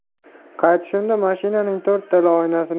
qaytishda mashinaning to'rttala